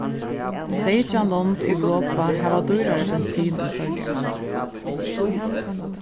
seytjan lond í europa hava dýrari bensin enn føroyar